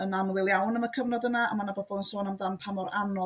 yn annwyl iawn am y cyfnod yna a ma' 'na bobol yn sôn amdan pa mor anodd